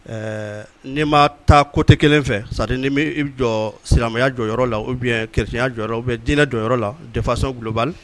Ɛɛ n'i ma taa coté 1 fɛ c'a dire n'i bɛ i jɔ silamɛya jɔyɔrɔ la ou bien chrétien ya bien dinɛ jɔyɔrɔ la, de façon globale